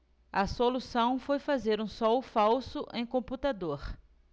a solução foi fazer um sol falso em computador